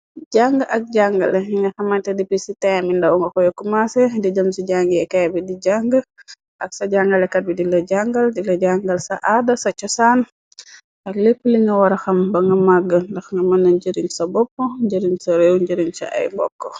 Jàng ak jàngale ninga xamante dpctaemi ndaw nga ko yokku maasé di jam ci jang ye kaay bi di jàng. Ak sa jàngalekat bi dila jàngal dila jangal sa aada sa cosaan. Ak lépp linga waraxam ba nga màgg. Ndax nga mëna njarin sa bopp njërin sa réew njarin ca ay bopp.